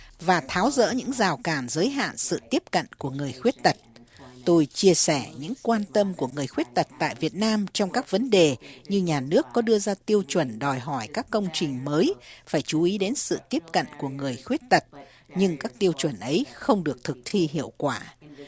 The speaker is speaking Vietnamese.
và tháo dỡ những rào cản giới hạn sự tiếp cận của người khuyết tật tôi chia sẻ những quan tâm của người khuyết tật tại việt nam trong các vấn đề như nhà nước có đưa ra tiêu chuẩn đòi hỏi các công trình mới phải chú ý đến sự tiếp cận của người khuyết tật nhưng các tiêu chuẩn ấy không được thực thi hiệu quả